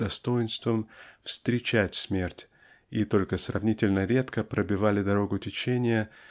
с достоинством встречать смерть и только сравнительно редко пробивали дорогу течения